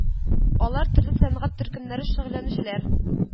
Алар төрле сәнгать төркемнәре шөгыльләнүчеләр